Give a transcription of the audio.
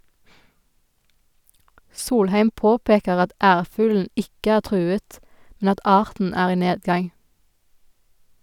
Solheim påpeker at ærfuglen ikke er truet, men at arten er i nedgang.